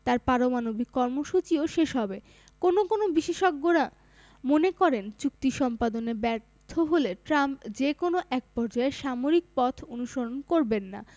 তাঁর পারমাণবিক কর্মসূচিও শেষ হবে কোনো কোনো বিশেষজ্ঞেরা মনে করেন চুক্তি সম্পাদনে ব্যর্থ হলে ট্রাম্প যে কোনো একপর্যায়ে সামরিক পথ অনুসরণ করবেন না